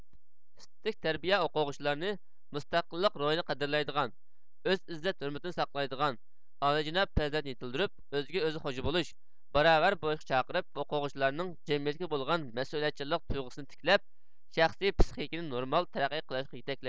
ئىستىتىك تەربىيە ئوقۇغۇچىلارنى مۇستەقىللىق روھىنى قەدىرلەيدىغان ئۆز ئىززەت ھۆرمىتىنى ساقلايدىغان ئالىجاناپ پەزىلەتنى يېتىلدۈرۈپ ئۆزىگە ئۆزى خوجا بولۇش باراۋەر بولۇشقا چاقىرىپ ئوقۇغۇچىلارنىڭ جەمئىيەتكە بولغان مەسئۇلىيەتچانلىق تۇيغىسىنى تىكلەپ شەخسىي پىسخىكىسىنى نورمال تەرەققى قىلىشقا يىتەكلەيدۇ